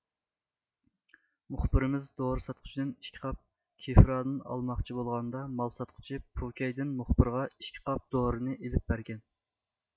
مۇخبىرىمىز دورا ساتقۇچىدىن ئىككى قاپ كېفرادىن ئالماقچى بولغاندا مال ساتقۇچى پوكەيدىن مۇخبىرغا ئىككى قاپ دورىنى ئېلىپ بەرگەن